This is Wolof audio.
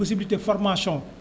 possibilité formation